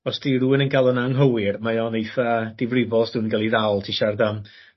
os di rywun yn ga'l o'n anghywir mae o'n eitha difrifol os 'di rwun yn ga'l 'i ddal ti siarad am